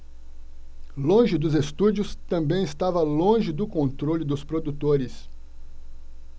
longe dos estúdios também estava longe do controle dos produtores